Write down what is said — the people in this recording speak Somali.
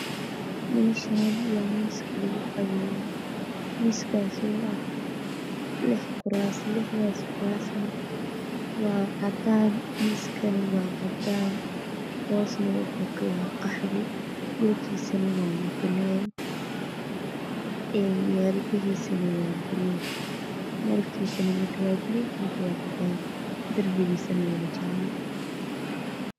Mashan waa qol wax yalo mis iyo kurasman kalar kode waa cadan iyo qahwi kuriga kalar kisi waa jale dhulka mutalelk waa cadan iyo madow